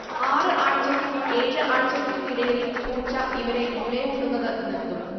ആറ് ആഴ്ചയ്ക്കും ഏഴ് ആഴ്ചയ്ക്കും ഇടയിൽ പൂച്ച ഇവരെ മുലയൂട്ടുന്നത് നിർത്തും